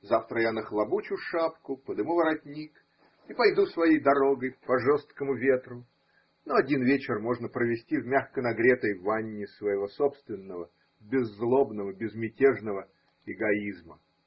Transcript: Завтра я нахлобучу шапку, подыму воротник и пойду своей дорогой по жесткому ветру, но один вечер можно провести в мягко-нагретой ванне своего собственного, беззлобного, безмятежного эгоизма.